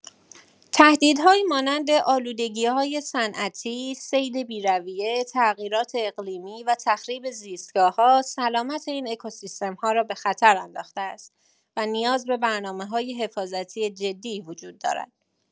تهدیدهایی مانند آلودگی‌های صنعتی، صید بی‌رویه، تغییرات اقلیمی و تخریب زیستگاه‌ها سلامت این اکوسیستم‌ها را به خطر انداخته است و نیاز به برنامه‌‌های حفاظتی جدی وجود دارد.